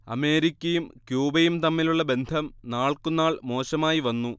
അമേരിക്കയും ക്യൂബയും തമ്മിലുള്ള ബന്ധം നാൾക്കുനാൾ മോശമായി വന്നു